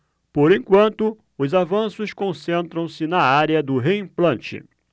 por enquanto os avanços concentram-se na área do reimplante